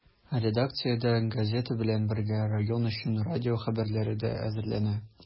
Редакциядә, газета белән бергә, район өчен радио хәбәрләре дә әзерләнә.